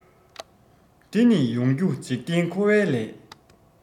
འདི ནི ཡོང རྒྱུ འཇིག རྟེན འཁོར བའི ལས